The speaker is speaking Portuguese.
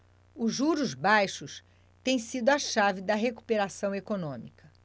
os juros baixos têm sido a chave da recuperação econômica